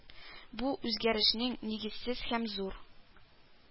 Бу үзгәрешнең нигезсез һәм зур